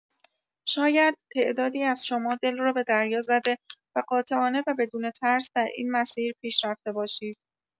شاید تعدادی از شما دل را به دریا زده و قاطعانه و بدون ترس در این مسیر پیش رفته باشید.